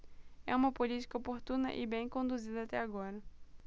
é uma política oportuna e bem conduzida até agora